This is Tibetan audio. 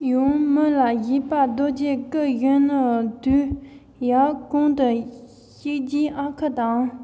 ཡང མི ལ བཞད པ རྡོ རྗེ སྐུ གཞོན ནུའི དུས ཡབ གུང དུ གཤེགས རྗེས ཨ ཁུ དང